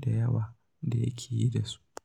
da yawa" da yake da su.